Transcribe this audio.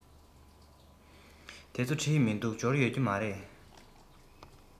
དེ ཚོ བྲིས མི འདུག འབྱོར ཡོད ཀྱི མ རེད